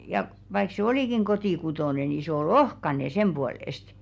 ja vaikka se olikin kotikutoinen niin se oli ohkainen sen puolesta